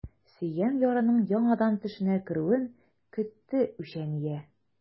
Сөйгән ярының яңадан төшенә керүен көтте үчәния.